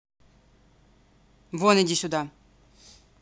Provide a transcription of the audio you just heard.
вон иди сюда